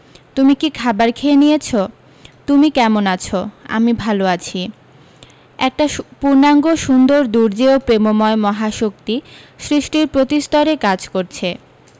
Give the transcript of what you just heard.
তুমি কী খাবার খেয়ে নিয়েছো তুমি ক্যামন আছো আমি ভালো আছি একটা পূর্ণাঙ্গ সুন্দর দুর্জেয় প্রেমময় মহাশক্তি সৃষ্টির প্রতিস্তরে কাজ করছে